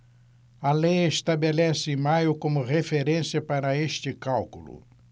a lei estabelece maio como referência para este cálculo